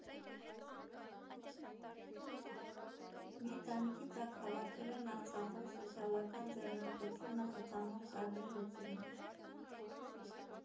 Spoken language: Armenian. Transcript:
Մի տանիքի տակ հավաքել են Արցախում սոցիալական ձեռնարկությանը խթանող տարբեր լուծումներ.